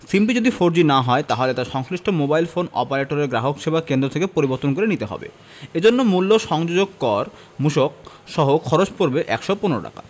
সিমটি যদি ফোরজি না হয় তাহলে তা সংশ্লিষ্ট মোবাইল ফোন অপারেটরের গ্রাহকসেবা কেন্দ্র থেকে পরিবর্তন করে নিতে হবে এ জন্য মূল্য সংযোজন কর মূসক সহ খরচ পড়বে ১১৫ টাকা